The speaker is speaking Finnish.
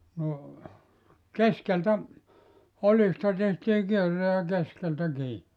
no keskeltä oljista tehtiin kierre ja keskeltä kiinni